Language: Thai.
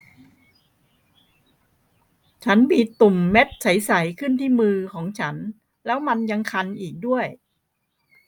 ฉันมีตุ่มเม็ดใสใสขึ้นที่มือของฉันแล้วมันยังคันอีกด้วย